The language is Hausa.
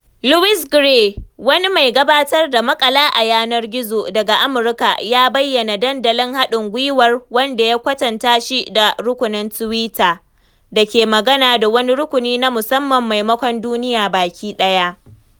Louis Gray, wani mai gabatar da maƙala a yanar gizo daga Amurka, ya bayyana dandalin haɗin gwiwar Laconi.ca, wanda ya kwatanta shi da "rukunin Twitter" – da ke magana da wani rukuni na musamman maimakon duniya baki ɗaya.